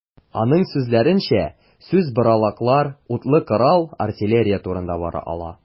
Аның сүзләренчә, сүз боралаклар, утлы корал, артиллерия турында бара ала.